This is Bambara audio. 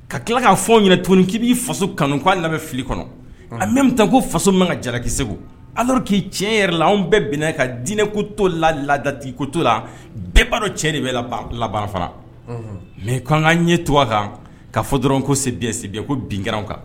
Ka tila k'a fɔ ɲinin ton k'i b'i faso kanu k'a lamɛn filili kɔnɔ a mɛn bɛ taa ko faso min ka jaraki segu ala k'i ti yɛrɛ la anw bɛɛ bɛnna ka diinɛ ko to la ladati ko to la bɛɛ baadɔ cɛ de bɛ la ban fana mɛ k' ka n ɲɛ to a kan ka fɔ dɔrɔn ko sibi sibi ko binkaw kan